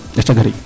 Aca gari